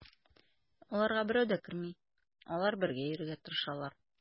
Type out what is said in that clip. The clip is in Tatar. Аларга берәү дә керми, алар бергә йөрергә тырышалар.